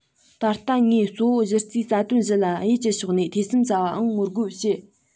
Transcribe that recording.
ད ལྟ ངས གཙོ བོ གཞི རྩའི རྩ དོན བཞི ལ གཡས ཀྱི ཕྱོགས ནས ཐེ ཚོམ ཟ བའམ ངོ རྒོལ བྱེད